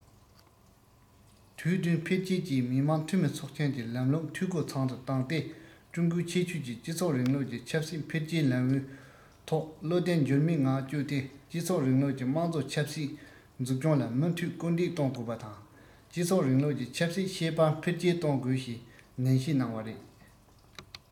དུས བསྟུན འཕེལ རྒྱས ཀྱིས མི དམངས འཐུས མི ཚོགས ཆེན གྱི ལམ ལུགས འཐུས སྒོ ཚང དུ བཏང སྟེ ཀྲུང གོའི ཁྱད ཆོས ཀྱི སྤྱི ཚོགས རིང ལུགས ཀྱི ཆབ སྲིད འཕེལ རྒྱས ལམ བུའི ཐོག བློ བརྟན འགྱུར མེད ངང བསྐྱོད དེ སྤྱི ཚོགས རིང ལུགས ཀྱི དམངས གཙོ ཆབ སྲིད འཛུགས སྐྱོང ལ མུ མཐུད སྐུལ འདེད གཏོང དགོས པ དང སྤྱི ཚོགས རིང ལུགས ཀྱི ཆབ སྲིད ཤེས དཔལ འཕེལ རྒྱས གཏོང དགོས ཞེས ནན བཤད གནང བ རེད